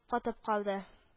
Катып калды